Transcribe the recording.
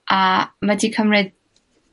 a ma' 'di cymryd